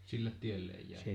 sille tielleen jäi